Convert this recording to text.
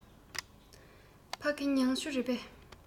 ཕ གི མྱང ཆུ རེད པས